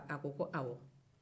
a ko ko awɔ